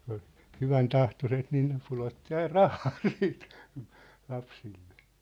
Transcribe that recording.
kun oli hyväntahtoiset niin ne pudotti aina rahaa sitten lapsille